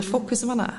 y ffocus yn fana